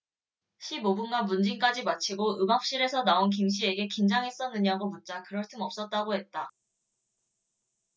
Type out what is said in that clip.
십 오 분간 문진까지 마치고 음압실에서 나온 김씨에게 긴장했었느냐고 묻자 그럴 틈 없었다고 했다